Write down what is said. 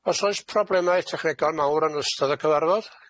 Os oes problemau technegol mawr yn ystod y cyfarfod,